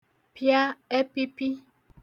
pịa ẹpipi